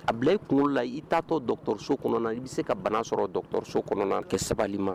A bila i kunkolo la i t'atɔ dɔgɔtɔrɔso kɔnɔ i bɛ se ka bana sɔrɔ dɔgɔtɔrɔso kɛ sabali ma